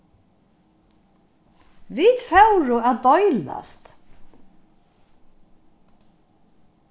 vit fóru at deilast